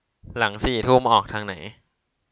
หลังสี่ทุ่มออกทางไหน